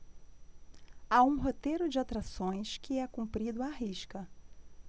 há um roteiro de atrações que é cumprido à risca